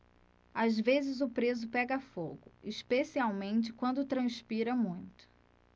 às vezes o preso pega fogo especialmente quando transpira muito